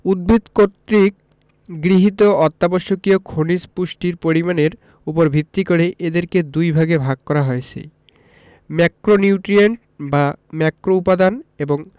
উদ্ভিদ কর্তৃক গৃহীত অত্যাবশ্যকীয় খনিজ পুষ্টির পরিমাণের উপর ভিত্তি করে এদেরকে দুইভাগে ভাগ করা হয়েছে ম্যাক্রোনিউট্রিয়েন্ট বা ম্যাক্রোউপাদান এবং